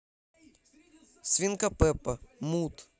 свинка пеппа мут